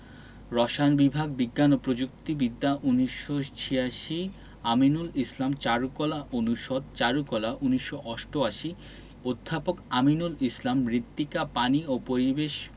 রসায়ন বিভাগ বিজ্ঞান ও প্রযুক্তি বিদ্যা ১৯৮৬ আমিনুল ইসলাম চারুকলা অনুষদ চারুকলা ১৯৮৮ অধ্যাপক আমিনুল ইসলাম মৃত্তিকা পানি ও পরিবেশ